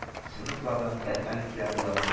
Сыйныфлардан фән олимпиадалары